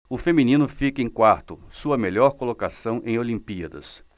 o feminino fica em quarto sua melhor colocação em olimpíadas